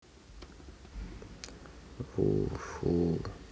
ву фу